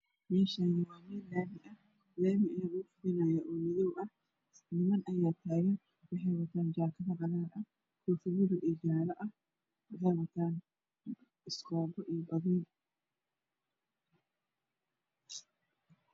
Meshaani waa meel lami ah oo madow ah lami ayaa lagu fidinaaya niman ayaa tagan wexeyna wataa jakado cagaar ah kofiyada jale ah wexey watan iskoobe iyo badiil